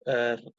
yr